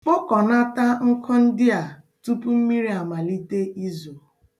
Kpokọnata nkụ ndị a tupu mmiri amalite izo.